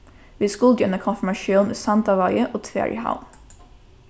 vit skuldu í eina konfirmatión í sandavági og tvær í havn